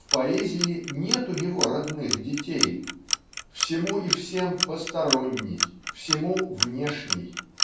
В поэзии нет у него родных детей. Всему и всем посторонний всему внешний